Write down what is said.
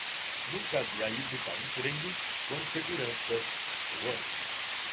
nunca havia ido para um treino com seguranças no ônibus